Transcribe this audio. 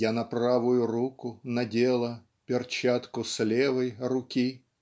"я на правую руку надела перчатку с левой руки"?